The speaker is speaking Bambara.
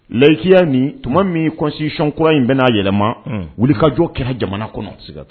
Lɛyikiya min tuma min cositikura in bɛna n'a yɛlɛma wuli kajɔ kɛra jamana kɔnɔ siga